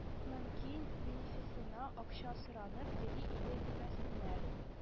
Мөмкин, бенефисына акча соранып йөри иде димәсеннәр